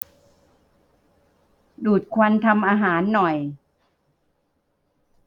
ดูดควันทำอาหารหน่อย